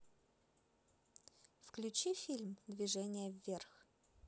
включи фильм движение вверх